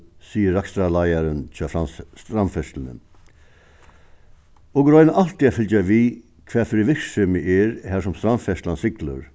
sigur rakstrarleiðarin hjá strandferðsluni okur royna altíð at fylgja við hvat fyri virksemi er har sum strandferðslan siglir